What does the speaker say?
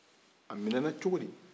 a minɛna cogodi